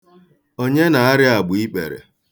Onye na-arịa agbaikpere?